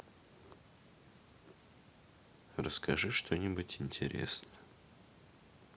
расскажи что нибудь интересное